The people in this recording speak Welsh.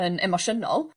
yn emosiynol.